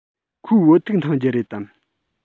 ཁོས བོད ཐུག འཐུང རྒྱུ རེད དམ